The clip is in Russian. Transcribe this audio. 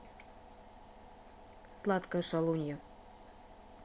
сладкая шалунья